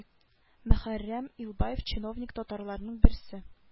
Мөхәррәм илбаев чиновник татарларның берсе